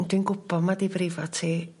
on' dwi'n gwbo ma' 'di brifo ti